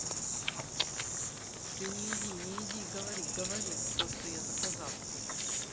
ты не иди не иди говори говори то что я заказал